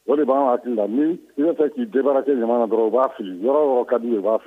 O de b'a makii la tɛ k'i debara kɛ ɲamana na dɔrɔn u b'a fili yɔrɔ yɔrɔ ka di b'a